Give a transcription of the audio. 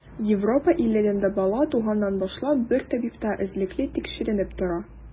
Европа илләрендә бала, туганнан башлап, бер табибта эзлекле тикшеренеп тора.